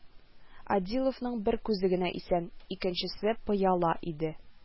Адилов-ның бер күзе генә исән, икенчесе пыяла иде